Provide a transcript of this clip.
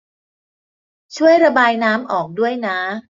ช่วยระบายน้ำออกด้วยนะ